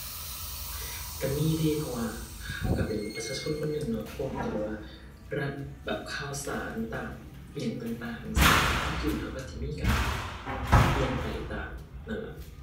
ก็มีเดะ เพราะว่าก็ก็เป็นประชาชนคนหนึ่งเนาะ พร้อมจะแบบว่า รับแบบข่าวสารตามอิหยังต่างต่างจั่งซี้แหม ความคิดเห็นก็ก็สิมีการปรับเปลี่ยนไปตามนั้นล่ะ